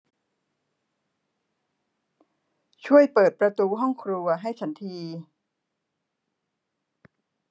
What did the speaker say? ช่วยเปิดประตูห้องครัวให้ฉันที